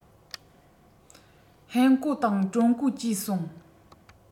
ཧན གོའི དང ཀྲུང གོའི ཅེས གསུང